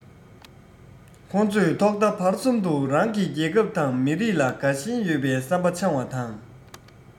ཁོ ཚོས ཐོག མཐའ བར གསུམ དུ རང གི རྒྱལ ཁབ དང མི རིགས ལ དགའ ཞེན ཡོད པའི བསམ པ འཆང བ དང